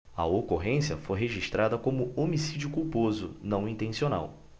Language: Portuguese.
a ocorrência foi registrada como homicídio culposo não intencional